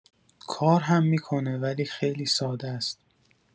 کار هم می‌کنه ولی خیلی ساده است.